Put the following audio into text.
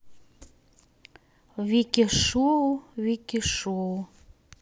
вики шоу вики шоу